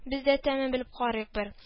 – без дә тәмен белеп карыйк бер